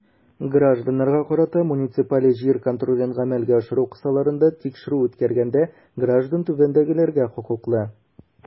Гражданнарга карата муниципаль җир контролен гамәлгә ашыру кысаларында тикшерү үткәргәндә граждан түбәндәгеләргә хокуклы.